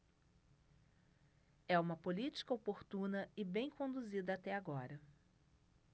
é uma política oportuna e bem conduzida até agora